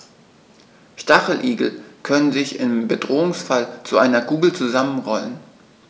Stacheligel können sich im Bedrohungsfall zu einer Kugel zusammenrollen.